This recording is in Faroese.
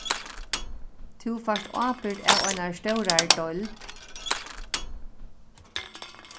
tú fært ábyrgd av einari stórari deild